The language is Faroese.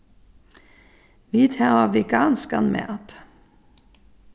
vit hava veganskan mat